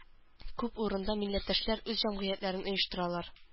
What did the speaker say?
Күп урында милләттәшләр үз җәмгыятьләрен оештыралар